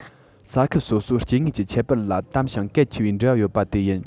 ས ཁུལ སོ སོའི སྐྱེ དངོས ཀྱི ཁྱད པར ལ དམ ཞིང གལ ཆེ བའི འབྲེལ བ ཡོད པ དེ ཡིན